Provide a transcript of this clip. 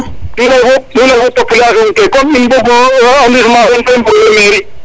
nu ley nu leyfo population ke comme in mbogu arrondissement fe i mbog mairie